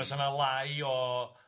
fysa yna lai o m-hm.